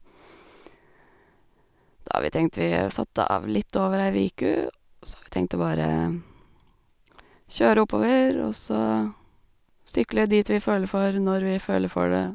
da har vi tenkt Vi satte av litt over ei viku, og så har vi tenkt å bare kjøre oppover, og så sykle dit vi føler for når vi føler for det.